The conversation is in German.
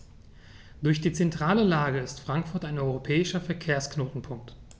Durch die zentrale Lage ist Frankfurt ein europäischer Verkehrsknotenpunkt.